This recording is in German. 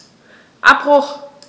Abbruch.